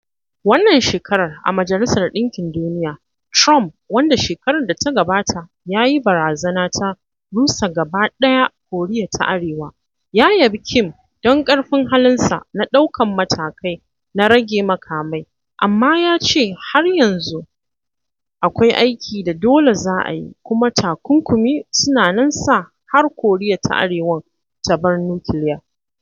Wannan shekarar a Majalisar Ɗinkin Duniya, Trump, wanda shekarar da ta gabata ya yi barazana ta “rusa gaba ɗaya” Koriya ta Arewa, ya yabi Kim don ƙarfin halinsa na ɗaukan matakai na rage makamai, amma ya ce har yanzu akwai aiki da dole za a yi kuma takunkumi suna nan sa har Koriya ta Arewan ta bar nukiliya.